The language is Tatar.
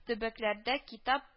Төбәкләрдә китап